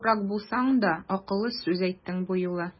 Дурак булсаң да, акыллы сүз әйттең бу юлы!